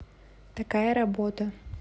такая работа